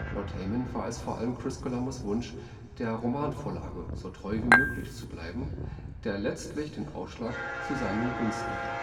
Laut Heyman war es vor allem Columbus’ Wunsch, der Romanvorlage so treu wie möglich zu bleiben, der letztlich den Ausschlag zu seinen Gunsten gab